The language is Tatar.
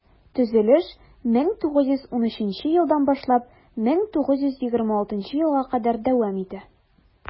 Төзелеш 1913 елдан башлап 1926 елга кадәр дәвам итә.